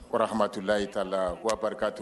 Ko hamatulilala'a la ko barikatu